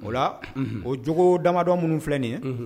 O la oogo damadɔ minnu filɛ nin ye